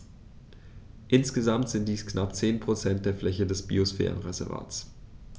Insgesamt sind dies knapp 10 % der Fläche des Biosphärenreservates.